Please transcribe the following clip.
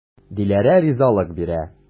Диләрә ризалык бирә.